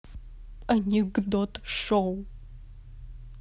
анекдот шоу